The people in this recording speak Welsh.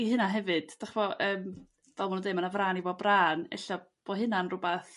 i hynna hefyd dych ch'mo yrm fel ma' nhw'n d'eud ma' 'na fran i bob bran e'lla' bo' hyna'n r'wbath...